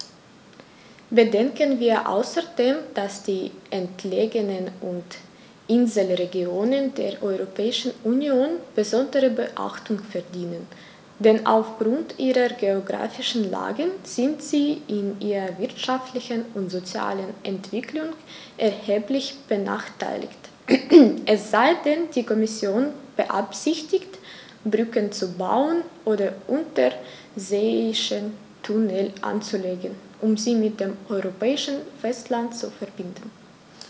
Bedenken wir außerdem, dass die entlegenen und Inselregionen der Europäischen Union besondere Beachtung verdienen, denn auf Grund ihrer geographischen Lage sind sie in ihrer wirtschaftlichen und sozialen Entwicklung erheblich benachteiligt - es sei denn, die Kommission beabsichtigt, Brücken zu bauen oder unterseeische Tunnel anzulegen, um sie mit dem europäischen Festland zu verbinden.